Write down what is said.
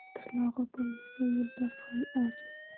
tirnog'i bo'lmasa yo'lbars ham ojiz